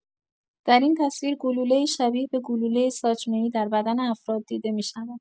در این تصاویر گلوله‌ای شبیه به گلولۀ ساچمه‌ای در بدن افراد دیده می‌شود.